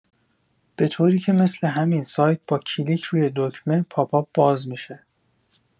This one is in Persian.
به طوریکه مثل همین سایت با کلیک روی دکمه پاپ آپ باز شه.